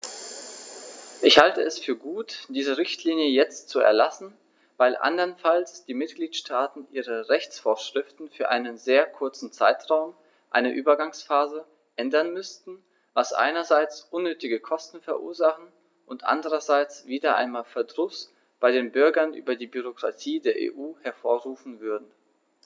Ich halte es für gut, diese Richtlinie jetzt zu erlassen, weil anderenfalls die Mitgliedstaaten ihre Rechtsvorschriften für einen sehr kurzen Zeitraum, eine Übergangsphase, ändern müssten, was einerseits unnötige Kosten verursachen und andererseits wieder einmal Verdruss bei den Bürgern über die Bürokratie der EU hervorrufen würde.